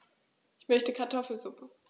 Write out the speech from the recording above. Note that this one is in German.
Ich möchte Kartoffelsuppe.